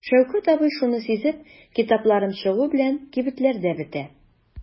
Шәүкәт абый шуны сизеп: "Китапларым чыгу белән кибетләрдә бетә".